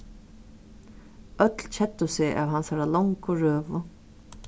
øll keddu seg av hansara longu røðu